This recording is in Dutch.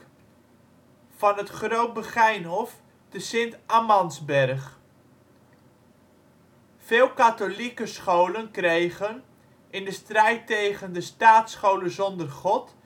van het Groot Begijnhof te Sint-Amandsberg). Vele katholieke scholen kregen, in de strijd tegen de ' staatsscholen zonder God